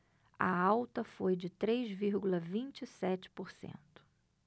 a alta foi de três vírgula vinte e sete por cento